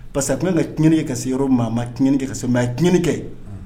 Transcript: Parce que tun ka tiɲɛn kɛ ka seyɔrɔ maa ma tiɲɛn kɛ ka se mɛ yec kɛ